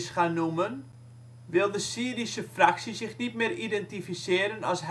gaan noemen, wilt de " Syrische fractie " zich niet meer identificeren als